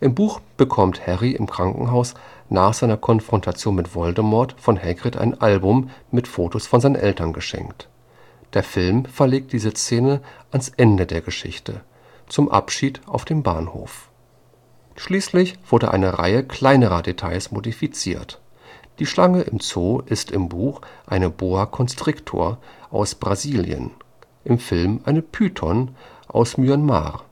Buch bekommt Harry im Krankenbett nach seiner Konfrontation mit Voldemort von Hagrid ein Album mit Fotos von seinen Eltern geschenkt. Der Film verlegt diese Szene ans Ende der Geschichte, zum Abschied auf dem Bahnhof. Schließlich wurde eine Reihe kleinerer Details modifiziert: Die Schlange im Zoo ist im Buch eine Boa constrictor aus Brasilien, im Film ein Python aus Myanmar